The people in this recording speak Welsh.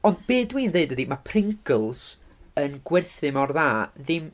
Ond be dwi'n ddeud ydi, ma' Pringles yn gwerthu mor dda ddim...